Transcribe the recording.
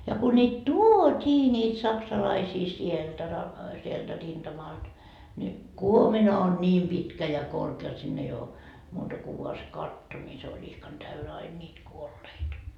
ja kun niitä tuotiin niitä saksalaisia sieltä - sieltä rintamalta niin kuomina on niin pitkä ja korkea jotta sinne ei ole muuta kuin vain se katto niin se oli ihkan täynnä aina niitä kuolleita